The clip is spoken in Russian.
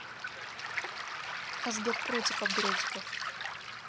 хасбек против абдурозиков